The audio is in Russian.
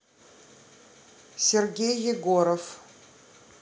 сергей егоров